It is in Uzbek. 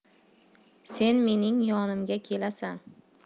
sen mening yonimga kelasan